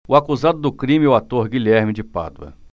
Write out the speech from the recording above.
o acusado do crime é o ator guilherme de pádua